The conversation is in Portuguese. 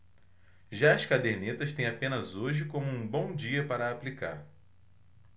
já as cadernetas têm apenas hoje como um bom dia para aplicar